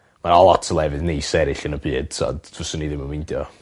ma' 'na lot o lefydd neis eryll yn y byd so fyswn i ddim yn meindio.